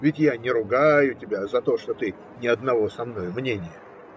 ведь я не ругаю тебя за то, что ты не одного со мною мнения.